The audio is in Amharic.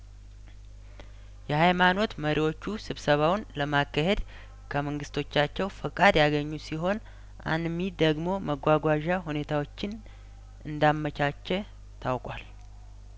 የሀይማኖት መሪዎቹ ስብሰባውን ለማካሄድ ከመንግስቶቻቸው ፍቃድ ያገኙ ሲሆን አንሚ ደግሞ መጓጓዣ ሁኔታዎችን እንዳመቻቸ ታውቋል